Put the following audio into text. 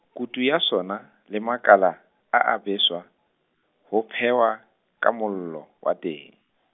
kutu ya sona, le makala a a beswa, ho phehwa, a ka mollo, wa teng.